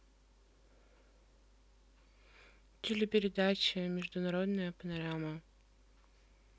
телепередача международная панорама